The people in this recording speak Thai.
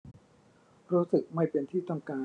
รู้สึกไม่เป็นที่ต้องการ